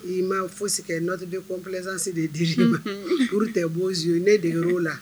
I ma fosi nɔti bɛ kɔnpsansi de dir ma olu tɛ bozo ne de y'o la